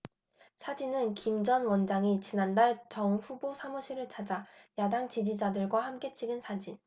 사진은 김 전 원장이 지난달 정 후보 사무실을 찾아 야당 지지자들과 함께 찍은 사진